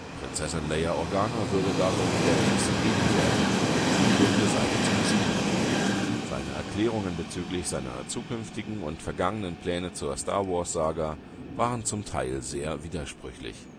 Prinzessin Leia Organa würde darin der nächste Jedi werden, um die dunkle Seite zu besiegen. Seine Erklärungen bezüglich seiner zukünftigen und vergangenen Pläne zur Star-Wars-Saga waren zum Teil sehr widersprüchlich